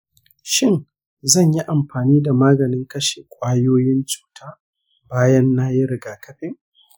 shin zan yi amfani da maganin kashe kwayoyin cuta bayan nayi rigakafi?